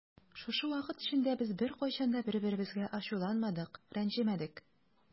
Шушы вакыт эчендә без беркайчан да бер-беребезгә ачуланмадык, рәнҗемәдек.